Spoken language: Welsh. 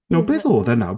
Nawr beth odd e nawr?